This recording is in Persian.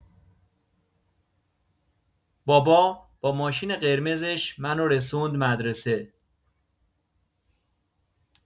بابا با ماشین قرمزش منو رسوند مدرسه.